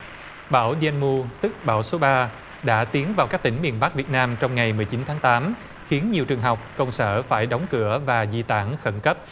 báo đen mu tức bão số ba đã tiến vào các tỉnh miền bắc việt nam trong ngày mười chín tháng tám khiến nhiều trường học công sở phải đóng cửa và di tản khẩn cấp